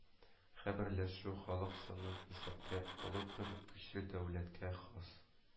Хәбәрләшү, халык санын исәпкә алу кебек көчле дәүләткә хас